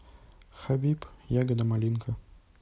хабиб ягода малинка